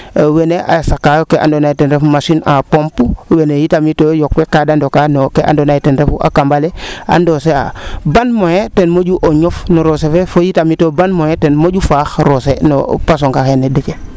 wene a saqaa ke ando naye ten ref machine a pompe wene yitamit too yoq we kaate ndokaa no kee ando naye ten refu a kambale a ndoose a ban moyen ten moƴu o ñof no roose fee fo yitamit ban moyen :gfra ten moƴu faax roose naxa pasango xeene Déthié